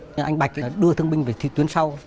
anh bạch đưa thương binh thịt tuyến sau